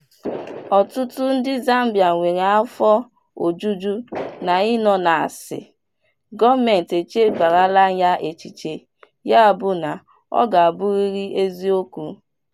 Ọtụtụ ndị Zambia nwere afọ ojuju na ị nọ na-asị, "gọọmentị echebarala ya echiche, yabụ na ọ ga-abụrịrị eziokwu".